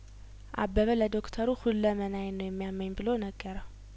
አበበ ለዶክተሩ ሁለመናዬን ነው የሚያመኝ ብሎ ነገረው